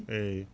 eyyi